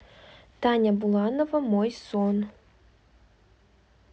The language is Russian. таня буланова мой сон